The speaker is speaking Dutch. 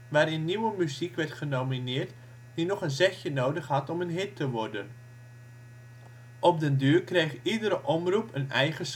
waarin nieuwe muziek werd genomineerd die nog een zetje nodig had om een hit te worden. Op den duur kreeg iedere omroep een eigen